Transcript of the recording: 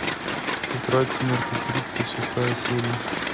тетрадь смерти тридцать шестая серия